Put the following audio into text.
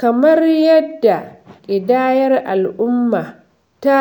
Kamar yadda ƙidayar al'umma ta